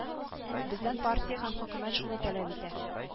Бездән партия һәм хөкүмәт шуны таләп итә